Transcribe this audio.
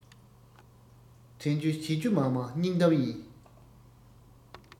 དྲན རྒྱུ བྱེད རྒྱུ མ མང སྙིང གཏམ ཡིན